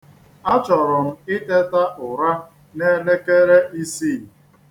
Achọrọ m iteta ụra n’elekele isii